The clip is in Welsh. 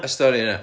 Y stori yna